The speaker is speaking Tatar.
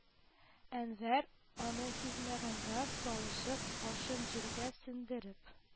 Әнвәр, аны сизмәгәнгә салышып, башын җиргә сеңдереп,